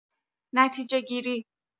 نتیجه‌گیری